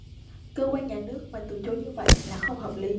cơ quan nhà nước mà từ chối như vậy là không hợp lý